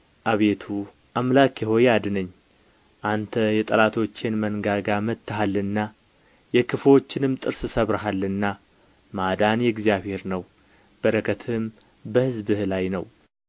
አቤቱ አምላኬ ሆይ አድነኝ አንተ የጠላቶቼን መንጋጋ መትተሃልና የክፉዎችንም ጥርስ ሰብረሃልና ማዳን የእግዚአብሔር ነው በረከትህም በሕዝብህ ላይ ነው